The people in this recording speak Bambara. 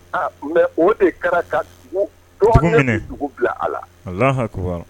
Aa mais o de kɛra ka dɔnni n bɛ dugu bila a la, alahu akbar